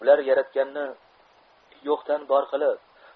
ular yaratganni yo'qdan bor qilib